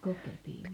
kokkelipiimää